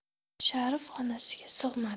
sharif xonasiga sig'madi